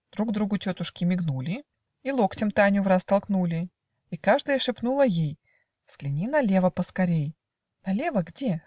Друг другу тетушки мигнули И локтем Таню враз толкнули, И каждая шепнула ей: - Взгляни налево поскорей. - "Налево? где?